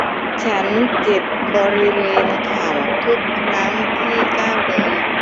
ฉันเจ็บบริเวณเข้าทุกครั้งที่ก้าวเดิน